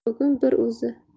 bugun bir o'zi